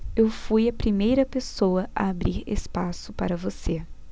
eu fui a primeira pessoa a abrir espaço para você